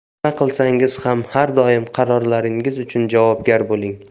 nima qilsangiz ham har doim qarorlaringiz uchun javobgar bo'ling